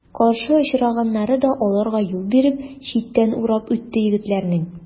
Каршы очраганнары да аларга юл биреп, читтән урап үтте егетләрнең.